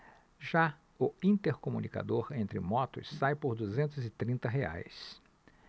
já o intercomunicador entre motos sai por duzentos e trinta reais